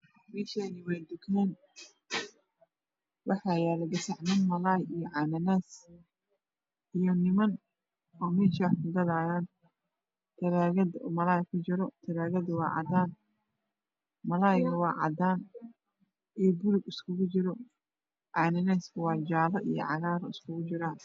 Meshaan waa dugaan waxaa gasacyaal Malay iyo canaanas iyo niman oo meesha shaax ku gadayaan talaagada may kujiro talaagada waa cadaan malaygu waa cadaan iyo guduud iskujirq cana naasku waa jaalo iyo caaagr iskugu jira